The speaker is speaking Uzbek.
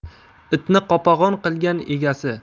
itni qopag'on qilgan egasi